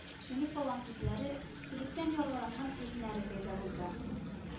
Сүнеп калган күзләре, эсселектән яргаланган иреннәре пәйда булды